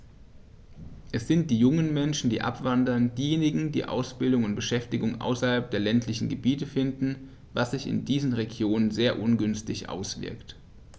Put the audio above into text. Es sind die jungen Menschen, die abwandern, diejenigen, die Ausbildung und Beschäftigung außerhalb der ländlichen Gebiete finden, was sich in diesen Regionen sehr ungünstig auswirkt.